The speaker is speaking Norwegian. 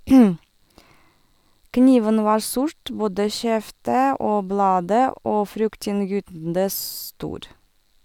Kniven var sort, både skjeftet og bladet, og fryktinngytende stor.